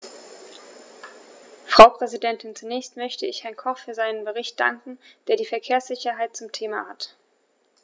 Frau Präsidentin, zunächst möchte ich Herrn Koch für seinen Bericht danken, der die Verkehrssicherheit zum Thema hat.